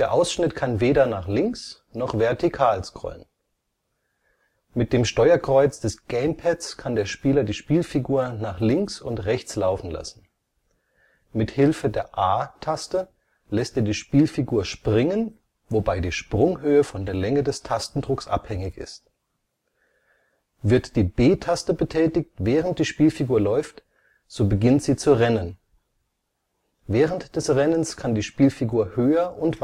Ausschnitt kann weder nach links noch vertikal scrollen. Das Gamepad des NES; links das Steuerkreuz, rechts die Aktionstasten Mit dem Steuerkreuz des Gamepads kann der Spieler die Spielfigur nach links und rechts laufen lassen. Mithilfe der A-Taste lässt er die Spielfigur springen, wobei die Sprunghöhe von der Länge des Tastendrucks abhängig ist. Wird die B-Taste betätigt, während die Spielfigur läuft, so beginnt sie zu rennen. Während des Rennens kann die Spielfigur höher und